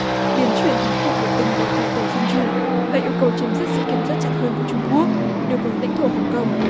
biến chuyển thành các cuộc biểu tình đòi cải tổ dân chủ và yêu cầu chấm dứt sự kiểm soát chặt hơn của trung quốc đối với lãnh thổ hồng công